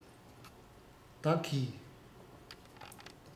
བདག གིས